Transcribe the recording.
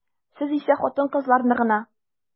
Сез исә хатын-кызларны гына.